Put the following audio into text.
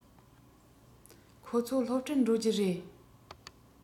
ཁོ ཚོ སློབ གྲྭར འགྲོ རྒྱུ རེད